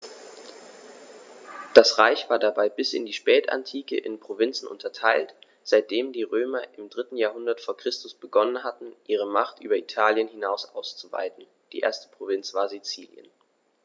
Das Reich war dabei bis in die Spätantike in Provinzen unterteilt, seitdem die Römer im 3. Jahrhundert vor Christus begonnen hatten, ihre Macht über Italien hinaus auszuweiten (die erste Provinz war Sizilien).